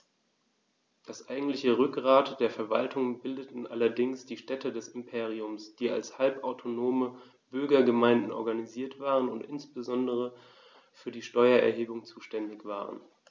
Das eigentliche Rückgrat der Verwaltung bildeten allerdings die Städte des Imperiums, die als halbautonome Bürgergemeinden organisiert waren und insbesondere für die Steuererhebung zuständig waren.